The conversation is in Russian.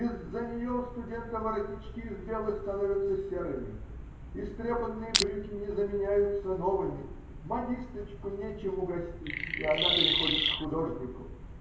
Из-за нее у студента воротнички из белых становятся серыми, истрепанные брюки не заменяются новыми, модисточку нечем угостить, и она переходит к художнику.